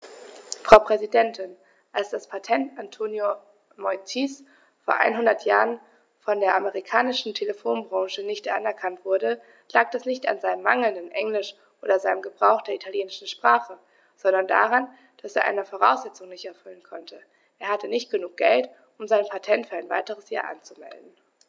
Frau Präsidentin, als das Patent Antonio Meuccis vor einhundert Jahren von der amerikanischen Telefonbranche nicht anerkannt wurde, lag das nicht an seinem mangelnden Englisch oder seinem Gebrauch der italienischen Sprache, sondern daran, dass er eine Voraussetzung nicht erfüllen konnte: Er hatte nicht genug Geld, um sein Patent für ein weiteres Jahr anzumelden.